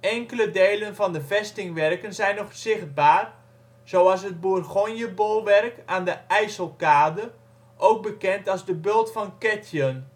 Enkele delen van de vestingwerken zijn nog zichtbaar, zoals het Bourgonjebolwerk aan de IJsselkade, ook bekend als ' de Bult van Ketjen